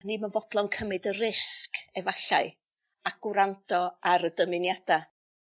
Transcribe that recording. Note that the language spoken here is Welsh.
ni'm yn fodlon cymyd y risg efallai, a gwrando ar y dymuniada.